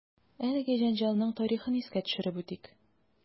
Әлеге җәнҗалның тарихын искә төшереп үтик.